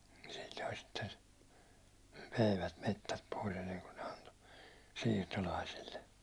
silloin sitten myivät metsät pois ennen kuin ne antoi siirtolaisille